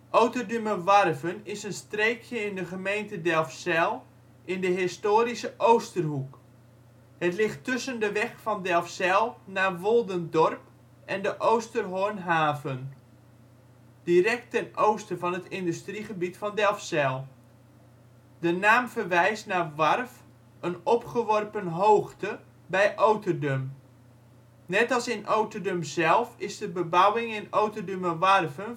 Oterdumerwarven is een streekje in de gemeente Delfzijl in de historische Oosterhoek. Het ligt tussen de weg van Delfzijl naar Woldendorp en de Oosterhornhaven, direct ten oosten van het industriegebied van Delfzijl. De naam verwijst naar warf een opgeworpen hoogte, bij Oterdum. Net als in Oterdum zelf is de bebouwing in Oterdumerwarven